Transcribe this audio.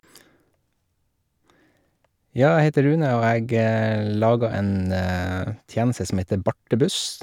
Ja, jeg heter Rune og jeg laga en tjeneste som heter Bartebuss.